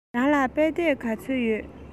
རང ལ དཔེ དེབ ག ཚོད ཡོད